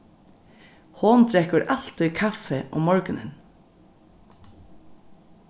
hon drekkur altíð kaffi um morgunin